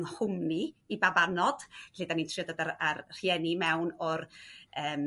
nghwmni i babanod 'llu 'da ni'n trio dod a'r rhieni mewn o'r yym